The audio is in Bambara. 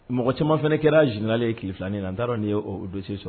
Mɔgɔ camanma fana kɛra zunka ye kifinen an n taara nin' o donse sɔrɔ